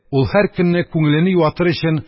Ул һәр көнне, күңелене юатыр өчен,